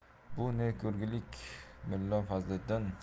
bu ne ko'rgulik mulla fazliddin